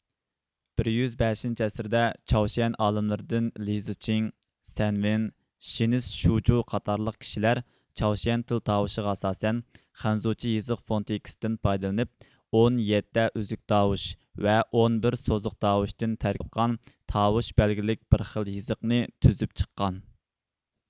بىر يۈز بەشىنچى ئەسىردە چاۋشيەن ئالىملىرىدىن لىزىچىڭ سەنۋىن شىنس شۇجۇ قاتارلىق كىشىلەر چاۋشيەن تىل تاۋۇشىغا ئاساسەن خەنزۇچە يېزىق فونېتىكىسىدىن پايدىلىنىپ ئون يەتتە ئۈزۈك تاۋۇش ۋە ئون بىر سوزۇق تاۋۇشتىن تەركىب تاپقان تاۋۇش بەلگىلىك بىر خىل يېزىقنى تۈزۈپ چىققان